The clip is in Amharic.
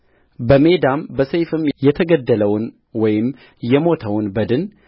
በሜዳም በሰይፍ የተገደለውን ወይም የሞተውን በድን